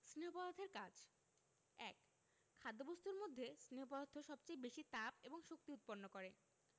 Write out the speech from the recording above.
স্নেহ পদার্থের কাজ ১. খাদ্যবস্তুর মধ্যে স্নেহ পদার্থ সবচেয়ে বেশী তাপ এবং শক্তি উৎপন্ন করে